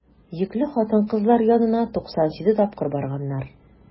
Йөкле хатын-кызлар янына 97 тапкыр барганнар.